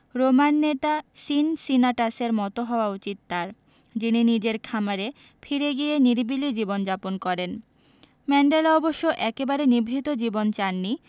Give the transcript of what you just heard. Roman নেতা সিনসিনাটাসের মতো হওয়া উচিত তাঁর যিনি নিজের খামারে ফিরে গিয়ে নিরিবিলি জীবন যাপন করেন ম্যান্ডেলা অবশ্য একেবারে নিভৃত জীবন চাননি